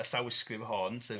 y llawysgrif hon ia.